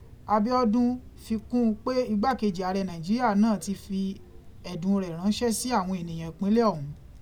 Abíọ́dún fi kún un pé Igbákèjì Ààrẹ Nàìjíríà náà ti fi ẹ̀dùn rẹ̀ ráńṣẹ́ sí àwọn ènìyàn ìpínlẹ̀ ọ̀hun.